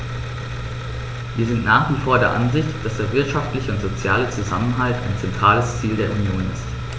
Wir sind nach wie vor der Ansicht, dass der wirtschaftliche und soziale Zusammenhalt ein zentrales Ziel der Union ist.